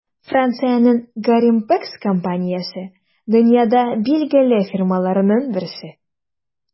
Франциянең Gorimpex компаниясе - дөньяда билгеле фирмаларның берсе.